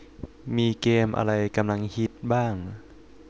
มีเกมอะไรกำลังฮิตบ้าง